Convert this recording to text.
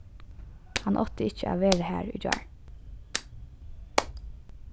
hann átti ikki at vera har í gjár